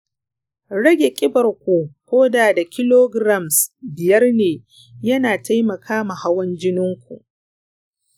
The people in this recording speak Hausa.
rage ƙibarku koda da kilograms biyar ne ya na taimakama hawan jininku